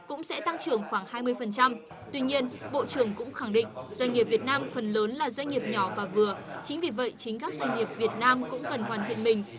cũng sẽ tăng trưởng khoảng hai mươi phần trăm tuy nhiên bộ trưởng cũng khẳng định doanh nghiệp việt nam phần lớn là doanh nghiệp nhỏ và vừa chính vì vậy chính các doanh nghiệp việt nam cũng cần hoàn thiện mình